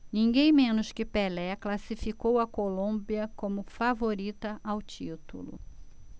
ninguém menos que pelé classificou a colômbia como favorita ao título